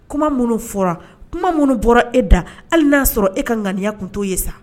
Kuma minnu fɔra kuma minnu bɔra e da hali n'a sɔrɔ e ka ŋaniya tun to ye sa